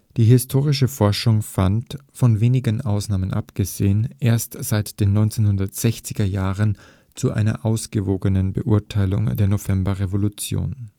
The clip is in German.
Die historische Forschung fand – von wenigen Ausnahmen abgesehen – erst seit den 1960er Jahren zu einer ausgewogenen Beurteilung der Novemberrevolution